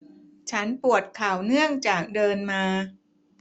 ฉันปวดเข่าเนื่องจากเดินมา